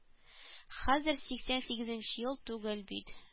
Хәзер сиксән сигезенче ел түгел бит